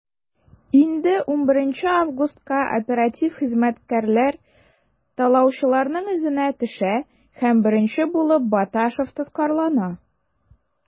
Инде 11 августка оператив хезмәткәрләр талаучыларның эзенә төшә һәм беренче булып Баташев тоткарлана.